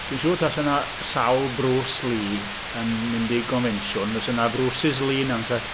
Dwi'n siŵr tasa 'na sawl Bruce Lee yn mynd i gonfensiwn fysa 'na Bruce's Lee yn byse?